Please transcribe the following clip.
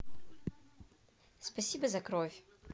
спасибо за кровь